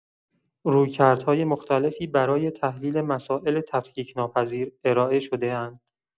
رویکردهای مختلفی برای تحلیل مسائل تفکیک‌ناپذیر ارائه شده‌اند.